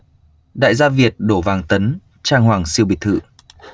đại gia việt đổ vàng tấn trang hoàng siêu biệt thự